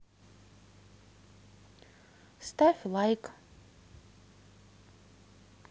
ставь лайк